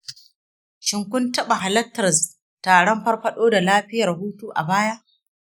shin kun taɓa halartar taron farfado da lafiyar huhu a baya?